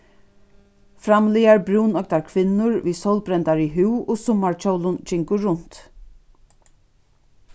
framligar brúnoygdar kvinnur við sólbrendari húð og summarkjólum gingu runt